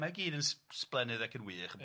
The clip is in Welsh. mae gyd yn s- sblennydd ac yn wych... Ia...